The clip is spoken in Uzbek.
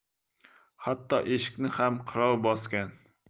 hatto eshikni ham qirov bosgan